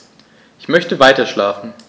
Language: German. Ich möchte weiterschlafen.